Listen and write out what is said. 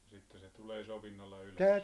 sitten se tulee sovinnolla ylös